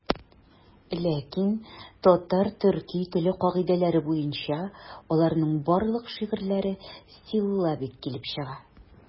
Ләкин татар-төрки теле кагыйдәләре буенча аларның барлык шигырьләре силлабик килеп чыга.